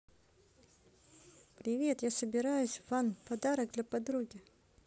привет я собираюсь ван подарок для подруги